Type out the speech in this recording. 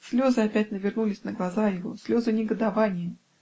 Слезы опять навернулись на глазах его, слезы негодования!